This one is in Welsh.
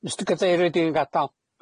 Mistar Cadeirydd dwi'n gadal.